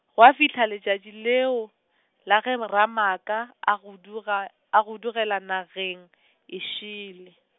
gwa fihla letšatši leo, la ge ramaaka a huduga, a hudugela nageng , e šele.